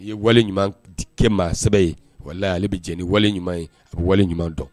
I ye wale ɲuman kɛ maa sɛbɛ ye walaye ale bi jɛ ni wale ɲuman ye ka wale ɲuman dɔn.